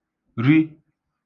ri